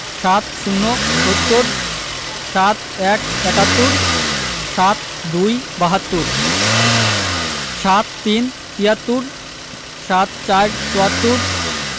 ৭০ - সত্তর ৭১ – একাত্তর ৭২ – বাহাত্তর ৭৩ – তিয়াত্তর ৭৪ – চুয়াত্তর